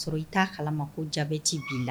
Sɔrɔ i t'a kalama ko diabète b'i la